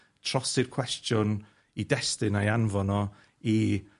trosi'r cwestiwn i destun a'i anfon o i